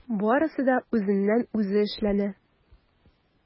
Барысы да үзеннән-үзе эшләнә.